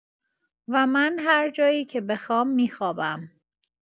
و من هرجایی که بخوام می‌خوابم.